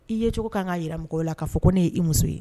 I yecogo ka kan'a jira mako la k'a fɔ ko ne ye'i muso ye